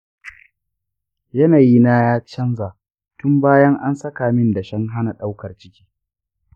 yanayi na ya canza tun bayan an saka min dashen hana daukar ciki..